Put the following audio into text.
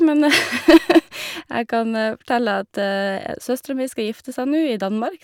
Men jeg kan fortelle at søstera mi skal gifte seg nu, i Danmark.